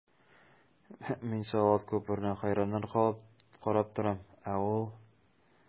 Мин салават күперенә хәйраннар калып карап торам, ә ул...